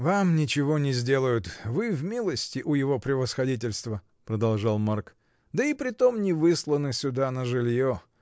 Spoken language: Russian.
— Вам ничего не сделают: вы в милости у его превосходительства, — продолжал Марк, — да и притом не высланы сюда на житье.